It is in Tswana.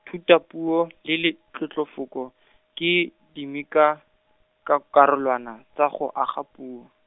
thutapuo le le tlotlofoko, ke dimikakakarolwana, tsa go aga puo.